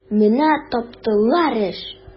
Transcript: Менә таптылар эш!